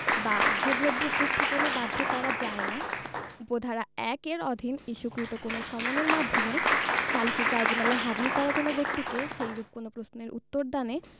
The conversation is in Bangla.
বা যে দ্রব্য উপস্থাপনের বাধ্য করা যায় না উপ ধারা ১ এর অধীন ইস্যুকৃত কোন সমনের মাধ্যমে সালিসী ট্রাইব্যুনালে হাজির করা কোন ব্যক্তিকে সেইরূপ কোন প্রশ্নের উত্তরদানে